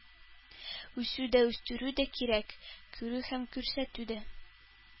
Үсү дә үстерү дә кирәк, күрү һәм күрсәтү дә.